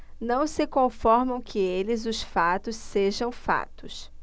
não se conformam que eles os fatos sejam fatos